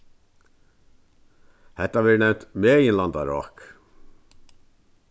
hetta verður nevnt meginlandarák